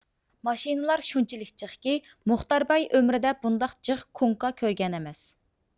ماشىنىلار شۇنچىلىك جىقكى مۇختەر باي ئۆمرىدە بۇنداق جىق كوڭكا كۆرگەن ئەمەس